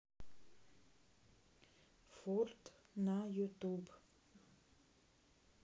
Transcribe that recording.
форд на ютуб